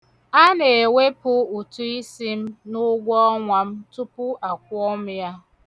Ana-ewepu ụtụisi m n'ụgwọọnwa m tupu akwọ m ya.